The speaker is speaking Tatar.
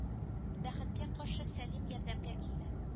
Бәхеткә каршы сәлим ярдәмгә килде